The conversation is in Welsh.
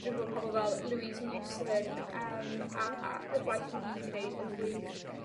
dwi'n gwod pobol fel Louise Newson yym a y gwaith ma' hi 'di neud yn wych.